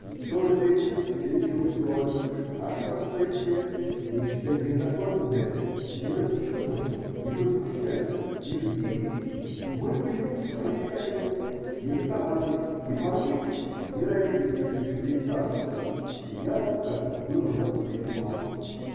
И в то же время все чувствовали, что наша процессия -- нечто незаконное, недопустимое, и возмущались и злились, а мы были в своей тарелке и ликовали, и Парных, ненавидевший швейцарцев, сиял как вымазанный маслом.